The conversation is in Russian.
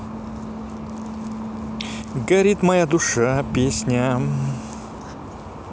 горит моя душа песня